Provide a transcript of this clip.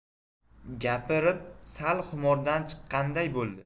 gapirib sal xumordan chiqqanday bo'ldi